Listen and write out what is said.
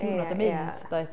Diwrnod yn mynd doedd.